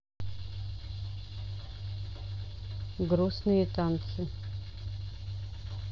грустные танцы